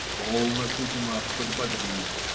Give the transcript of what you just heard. - Полно, Кузьма, подбодрись.